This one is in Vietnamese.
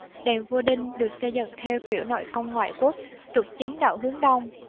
đền vua đinh được xây dựng theo kiểu nội công ngoại quốc trục chính đạo hướng đông